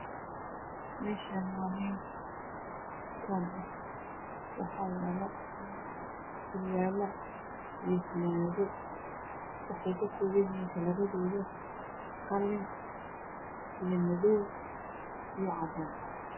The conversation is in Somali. Meeshan waa meel goomah waxaayaloh sorwalo iyo funaanado waxay ka kobanyihiin kalaradoda qalin iyo madow iyo cadan